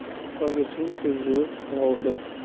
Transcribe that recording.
poygachining ko'zi g'ovda